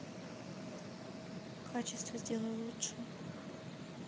качество сделай лучше